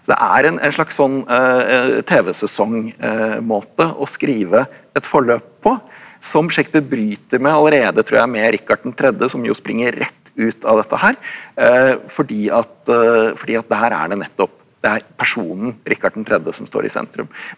så det er en en slags sånn tv-sesongmåte å skrive et forløp på som Shakespeare bryter med allerede tror jeg med Rikard den tredje som jo springer rett ut av dette her fordi at fordi at her er det nettopp det er personen Richard den tredje som står i sentrum.